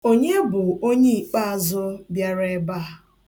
Onye bụ onye ikpeazụ bịara ebe a?